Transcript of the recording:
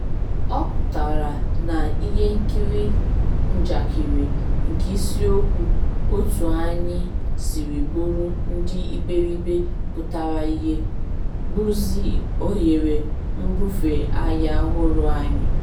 Ọ pụtara na ihe nkiri njakịrị nke isiokwu otu anyị siri bụrụ ndị iberibe pụtara ihie, bụzi oghere nbufe ahịa ọhụrụ anyị?